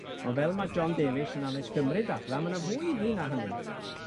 On' fel ma' John Davies yn anes Gymru'n dadla ma' 'na fwy iddi na hynny.